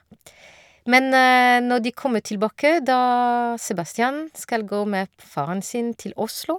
Men når de kommer tilbake, da Sebastian skal gå med p faren sin til Oslo.